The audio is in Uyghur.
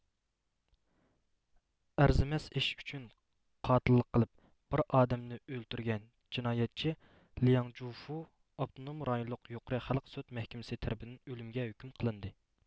ئەرزىمەس ئىش ئۈچۈن قاتىللىق قىلىپ بىر ئادەمنى ئۆلتۈرگەن جىنايەتچى لياڭ جۆفۇ ئاپتونوم رايونلۇق يۇقىرى خەلق سوت مەھكىمىسى تەرىپىدىن ئۆلۈمگە ھۆكۈم قىلىندى